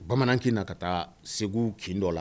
Bamanan' na ka taa segu kin dɔ la